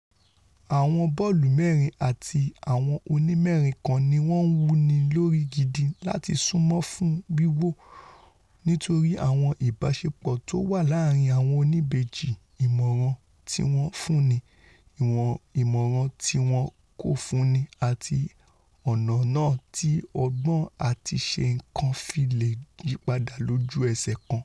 Àwọn bọ́ọ̀lu-mẹ́rin àti àwọn onímẹ́rin kan niwọ́n ńwúni lórí gidi láti súnmọ́ fún wíwò nítorí àwọn ìbáṣepọ̀ tówà láàrin àwọn oníbejì, ìmọ̀ràn tíwọn fúnni, ìmọ̀ràn tíwọn kò fúnni àti ọ̀nà náà tí ọgbọ́n-àtiṣeǹkan fi leè yípadà lójú-ẹ̀ṣẹ̀ kan.